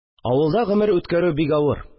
Авылда гомер үткәрү бик авыр